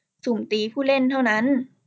สุ่มตีผู้เล่นเท่านั้น